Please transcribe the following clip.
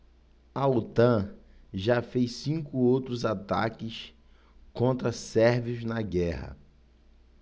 a otan já fez cinco outros ataques contra sérvios na guerra